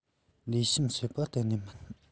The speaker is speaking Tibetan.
ལི ཤིང བཤད པ གཏན ནས མིན